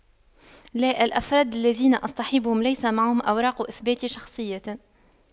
لا الأفراد الذين اصطحبهم ليس معهم أوراق اثبات شخصية